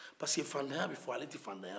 pasiki faantanya bɛ fɔ ale tɛ faantanya dɔn